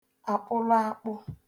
àkpụlụakpụ